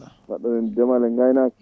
mbaɗɗon e ndeemal e gaynaka